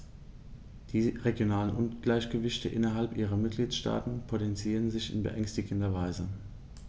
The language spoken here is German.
Die regionalen Ungleichgewichte innerhalb der Mitgliedstaaten potenzieren sich in beängstigender Weise.